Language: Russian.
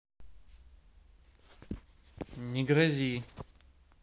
не грози